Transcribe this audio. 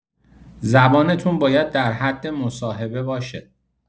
زبانتون باید در حد مصاحبه باشه.